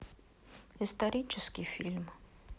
исторический фильм